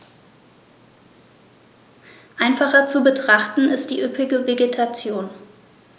Einfacher zu betrachten ist die üppige Vegetation.